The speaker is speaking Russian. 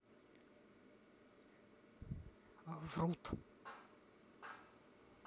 врут